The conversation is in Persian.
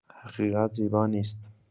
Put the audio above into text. حقیقت زیبا نیست.